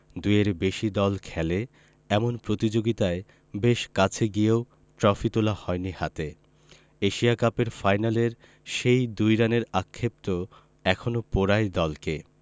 দুইয়ের বেশি দল খেলে এমন প্রতিযোগিতায় বেশ কাছে গিয়েও ট্রফি তোলা হয়নি হাতে এশিয়া কাপের ফাইনালের সেই ২ রানের আক্ষেপ তো এখনো পোড়ায় দলকে